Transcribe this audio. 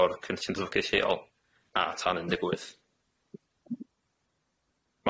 o'r cynllun dablygu lleol a tan un deg wyth.